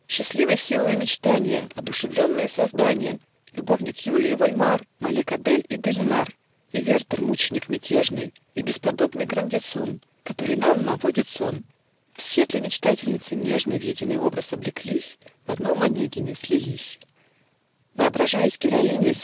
Счастливой силою мечтанья Одушевленные созданья, Любовник Юлии Вольмар, Малек-Адель и де Линар, И Вертер, мученик мятежный, И бесподобный Грандисон , Который нам наводит сон, - Все для мечтательницы нежной В единый образ облеклись, В одном Онегине слились. Воображаясь героиной?